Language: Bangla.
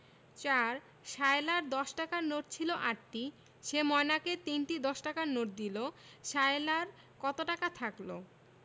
৪ সায়লার দশ টাকার নোট ছিল ৮টি সে ময়নাকে ৩টি দশ টাকার নোট দিল সায়লার কত টাকা থাকল